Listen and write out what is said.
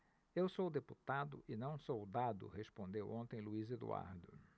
eu sou deputado e não soldado respondeu ontem luís eduardo